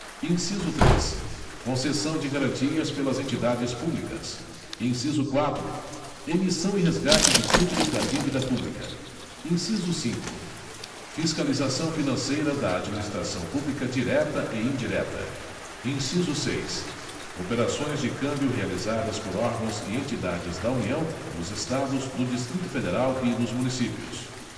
inciso três concessão de garantias pelas entidades públicas inciso quatro emissão e resgate de títulos da dívida pública inciso cinco fiscalização financeira da administração pública direta e indireta inciso seis operações de câmbio realizadas por órgãos e entidades da união dos estados do distrito federal e dos municípios